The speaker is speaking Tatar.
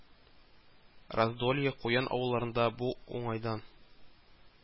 Раздолье, Куян авылларында бу уңайдан